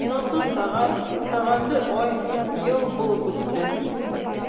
Минуты— сәгать, сәгате— ай, ел булып үтте.